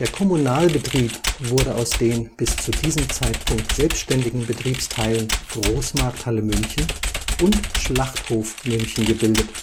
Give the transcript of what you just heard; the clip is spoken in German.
Kommunalbetrieb wurde aus den bis zu diesem Zeitpunkt selbständigen Betriebsteilen Großmarkthalle München und Schlachthof München gebildet